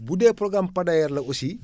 bu dee programme Pader la aussi